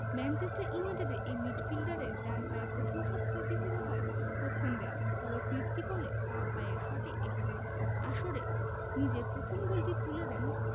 Manchester ইউনাইটেডের এই মিডফিল্ডারের ডান পায়ের প্রথম শট প্রতিহত হয় রক্ষণ দেয়ালে তবে ফিরতি বলে বাঁ পায়ের শটে এবারের আসরে নিজের প্রথম গোলটি তুলে নেন